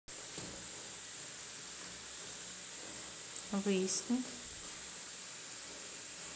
выясни